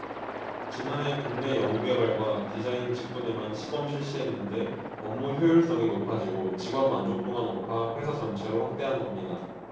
지난해 국내 연구개발과 디자인 직군에만 시범 실시했는데 업무 효율성이 높아지고 직원 만족도가 높아 회사 전체로 확대한 겁니다